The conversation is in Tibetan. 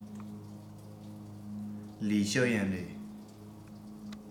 ལིའི ཞའོ ཡན རེད